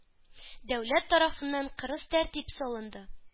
Дәүләт тарафыннан кырыс тәртип салынды.